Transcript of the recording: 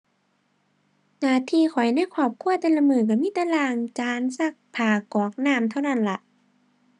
หน้าที่ข้อยในครอบครัวแต่ละมื้อ ก็มีแต่ล้างจาน ซักผ้า กรอกน้ำ เท่านั้นล่ะ